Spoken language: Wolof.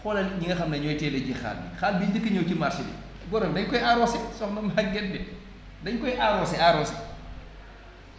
xoolal ñi nga xam ne ñooy teel a ji xaal bi xaal biy njëkk a ñëw ci marché bi boroom dañ koy arrosé soxna Maguette de dañ koy arrosé arrosé